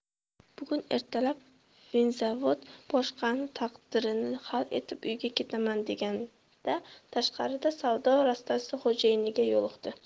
bugun ertalab vinzavod boshqoni taqdirini hal etib uyga ketaman deganda tashqarida savdo rastasi xo'jayiniga yo'liqdi